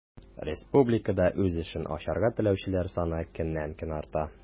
Республикада үз эшен ачарга теләүчеләр саны көннән-көн арта.